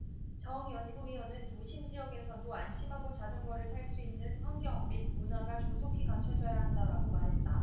정 연구위원은 도심지역에서도 안심하고 자전거를 탈 수 있는 환경 및 문화가 조속히 갖춰줘야 한다라고 말했다